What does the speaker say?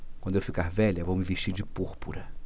quando eu ficar velha vou me vestir de púrpura